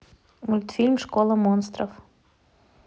мультфильм школа монстров